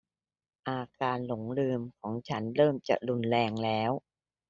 อาการหลงลืมของฉันเริ่มจะรุนแรงแล้ว